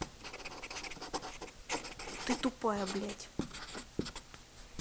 ты тупая блядь